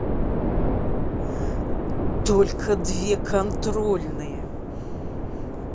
только две контрольные